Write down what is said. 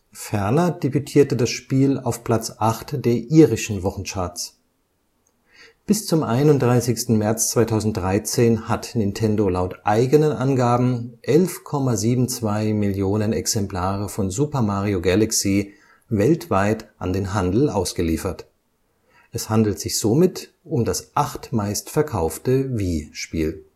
Ferner debütierte das Spiel zufolge auf Platz 8 der irischen Wochencharts. Bis zum 31. März 2013 hat Nintendo laut eigenen Angaben 11,72 Millionen Exemplare von Super Mario Galaxy weltweit an den Handel ausgeliefert. Es handelt sich somit um das achtmeistverkaufte Wii-Spiel